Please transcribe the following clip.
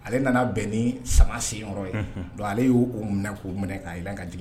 Ale nana bɛn ni sama sen yɔrɔ ye , unhun donc ale y'o minɛ k'o minɛ ka den ka jigin.